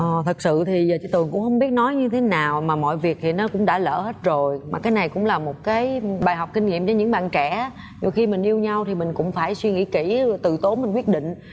ờ thật sự thì chị tường cũng không biết nói như thế nào mà mọi việc thì nó cũng đã lỡ hết rồi mà cái này cũng là một cái bài học kinh nghiệm cho những bạn trẻ đôi khi mình yêu nhau thì mình cũng phải suy nghĩ kỹ từ tốn mình quyết định